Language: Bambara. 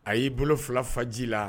A y'i bolo fila faji la